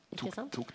ikke sant.